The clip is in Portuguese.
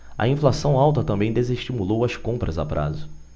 a inflação alta também desestimulou as compras a prazo